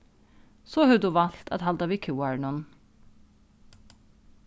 so hevur tú valt at halda við kúgaranum